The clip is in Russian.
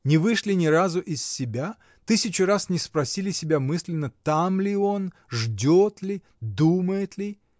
не вышли ни разу из себя, тысячу раз не спросили себя мысленно, там ли он, ждет ли, думает ли?